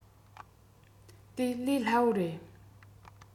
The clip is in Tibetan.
དེ ལས སླ པོ རེད